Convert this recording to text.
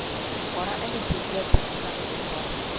Кара әле бездә бер сәгыйтов бар